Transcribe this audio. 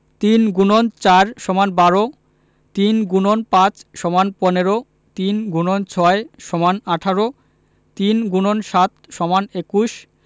৩ X ৪ = ১২ ৩ X ৫ = ১৫ ৩ x ৬ = ১৮ ৩ × ৭ = ২১